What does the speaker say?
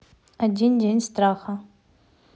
один день страха